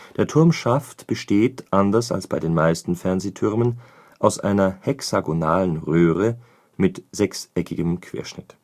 Der Turmschaft besteht, anders als bei den meisten Fernsehtürmen, aus einer hexagonalen Röhre mit sechseckigem Querschnitt